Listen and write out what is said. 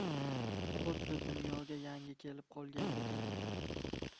xuddi dunyoga yangi kelib qoldek edim